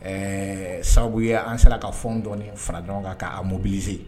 Ɛɛ sabu ye an sera ka fɛn dɔ fara ɲɔgɔn kan'a mobilize